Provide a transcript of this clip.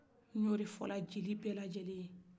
n y'o de fɔ jeli bɛɛ lajɛlen ye